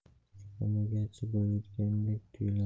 quchoqlamoqchi bolayotgandek tuyulardi